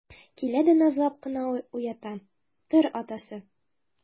Килә дә назлап кына уята: - Тор, атасы!